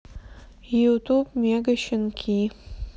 ютюб мегащенки